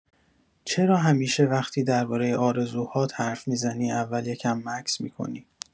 چرا همیشه وقتی درباره آرزوهات حرف می‌زنی، اول یه کم مکث می‌کنی؟